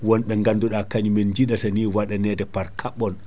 won ɓe ganduɗu kañum en jiiɗata ni waɗanede par kabɓon